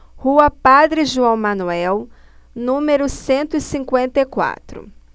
rua padre joão manuel número cento e cinquenta e quatro